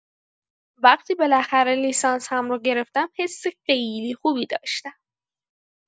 وقتی بالاخره لیسانسم رو گرفتم حس خیلی خوبی داشتم.